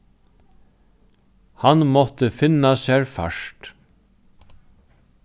hann mátti finna sær fart